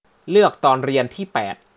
เลือกตอนเรียนที่แปด